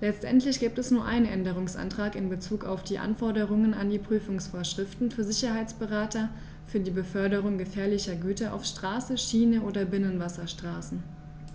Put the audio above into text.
letztendlich gibt es nur einen Änderungsantrag in bezug auf die Anforderungen an die Prüfungsvorschriften für Sicherheitsberater für die Beförderung gefährlicher Güter auf Straße, Schiene oder Binnenwasserstraßen.